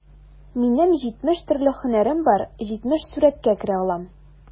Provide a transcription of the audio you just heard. Минем җитмеш төрле һөнәрем бар, җитмеш сурәткә керә алам...